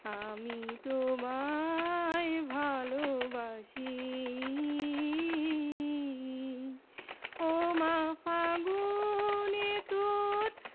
আমি তোমায় ভালোবাসি ওমা ফাগুনে তোর